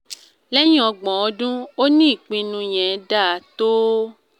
Lẹ́yìn ọgbọ̀n ọdún, ó ní “ìpinnu yẹn ‘da to ó.